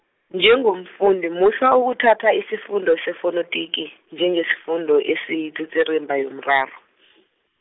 njengomfundi musa ukuthatha isifundo sefonetiki, njengesifundo esiyitsitsirimba yomraro .